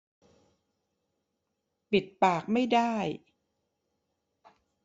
ปิดปากไม่ได้